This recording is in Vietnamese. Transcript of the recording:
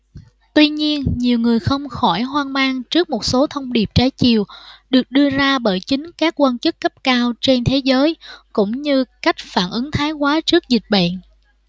tuy nhiên nhiều người không khỏi hoang mang trước một số thông điệp trái chiều được đưa ra bởi chính các quan chức cấp cao trên thế giới cũng như cách phản ứng thái quá trước dịch bệnh